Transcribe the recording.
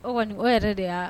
O kɔni yɛrɛ de wa